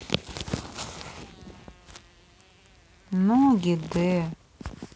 ноги d